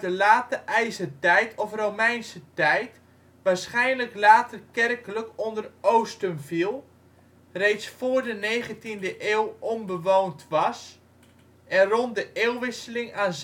late ijzertijd of Romeinse tijd, waarschijnlijk later kerkelijk onder Oostum viel, reeds voor de 19e eeuw onbewoond was en rond de eeuwwisseling aan zuidzijde